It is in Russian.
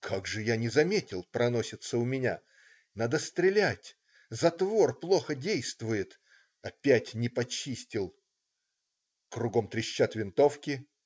Как же я не заметил, проносится у меня. надо стрелять. затвор плохо действует. опять не почистил. Кругом трещат винтовки.